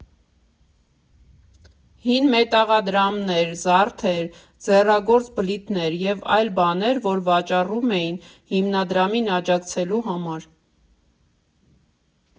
Հին մետաղադրամներ, զարդեր, ձեռագործ բլիթներ և այլ բաներ, որ վաճառում էին՝ Հիմնադրամին աջակցելու համար։